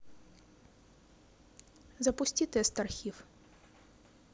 запусти тест архив